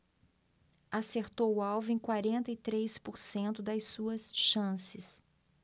acertou o alvo em quarenta e três por cento das suas chances